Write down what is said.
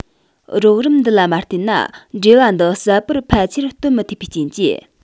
རོགས རམ འདི ལ མ བརྟེན ན འབྲེལ བ འདི གསལ པོར ཕལ ཆེར སྟོན མི ཐུབ པའི རྐྱེན གྱིས